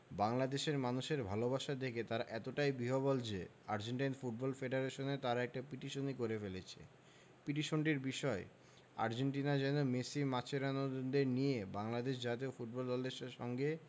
বাংলাদেশের মানুষের ভালোবাসা দেখে তারা এতটাই বিহ্বল যে আর্জেন্টাইন ফুটবল ফেডারেশনে তারা একটা পিটিশনই করে ফেলেছে পিটিশনটির বিষয় আর্জেন্টিনা যেন মেসি মাচেরানোদের নিয়ে বাংলাদেশ জাতীয় ফুটবল দলের সঙ্গে